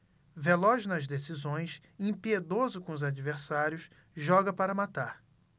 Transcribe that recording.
veloz nas decisões impiedoso com os adversários joga para matar